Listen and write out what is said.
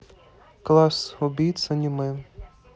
класс убийц аниме